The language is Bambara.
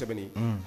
Sɛbɛn